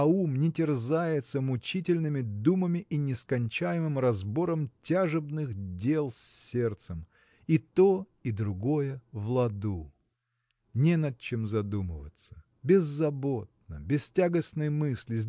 а ум не терзается мучительными думами и нескончаемым разбором тяжебных дел с сердцем и то, и другое в ладу. Не над чем задумываться. Беззаботно без тягостной мысли